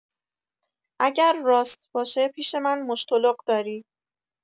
اگر راست باشه پیش‌من مشتلق داری